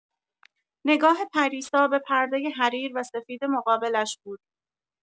نگاه پریسا به پردۀ حریر و سفید مقابلش بود.